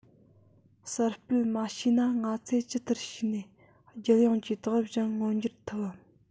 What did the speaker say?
གསར སྤེལ མ བྱས ན ང ཚོས ཇི ལྟར བྱས ནས རྒྱལ ཡོངས ཀྱི དེང རབས ཅན མངོན གྱུར ཐུབ བམ